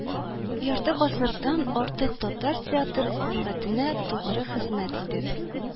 Ярты гасырдан артык татар театр сәнгатенә тугры хезмәт итеп